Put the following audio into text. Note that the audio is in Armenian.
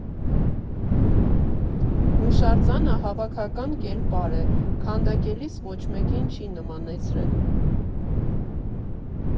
Հուշարձանը հավաքական կերպար է. քանդակելիս ոչ մեկին չի նմանեցրել։